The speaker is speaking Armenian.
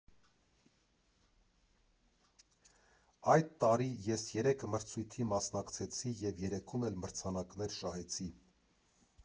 Այդ տարի ես երեք մրցույթի մասնակցեցի և երեքում էլ մրցանակներ շահեցի։